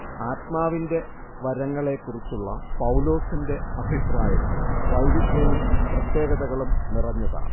ആത്മാവിന്റെ വരങ്ങളെക്കുറിച്ചുള്ള പൗലോസിന്റെ അഭിപ്രായങ്ങൾ വൈവിദ്ധ്യവും പ്രത്യേകതകളും നിറഞ്ഞതാണ്